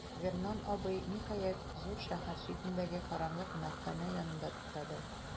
Вернон абый, ниһаять, зур шәһәр читендәге караңгы кунакханә янында туктады.